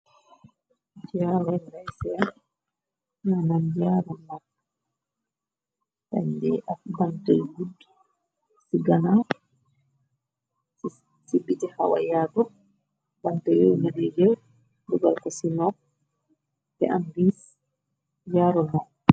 Jaaro ngai sen maanam jaaru nobb, sànde ak bantay yu gudd. Ci ganaaw ci biti xawa yaatu, bante yu bëre gër dugal ko ci nobb, te am biis jaaru nobb.